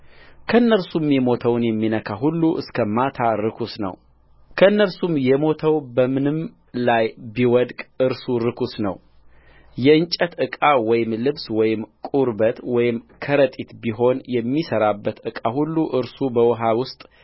ከእነርሱም የሞተውን የሚነካ ሁሉ እስከ ማታ ርኩስ ነውከእነርሱም የሞተውን የሚነካ በምንም ላይ ቢወድቅ እርሱ ርኩስ ነው የእንጨት ዕቃ ወይም ልብስ ወይም ቁርበት ወይም ከረጢት ቢሆን የሚሠራበት ዕቃ ሁሉ እርሱ በውኃ ውስጥ